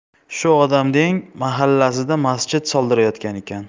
shu odam deng mahallasida masjid soldirayotgan ekan